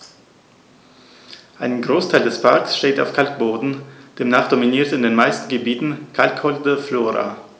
Ein Großteil des Parks steht auf Kalkboden, demnach dominiert in den meisten Gebieten kalkholde Flora.